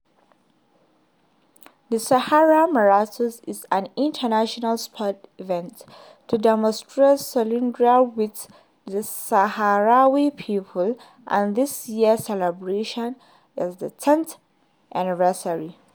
The Sahara Marathon is an international sport event to demonstrate solidarity with the Saharawi people and this year celebrates its tenth anniversary.